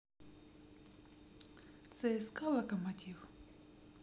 цска локомотив